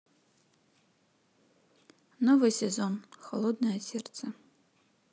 новый сезон холодное сердце